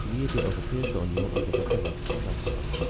siehe Die Europäische Union und der Wettbewerbsfall Microsoft